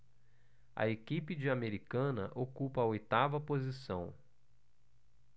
a equipe de americana ocupa a oitava posição